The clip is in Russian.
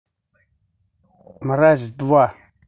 мразь два